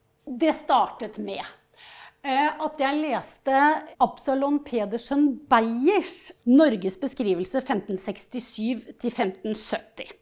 det startet med at jeg leste Absalon Pedersson Beyers Norges beskrivelse 1567 til femtensytti.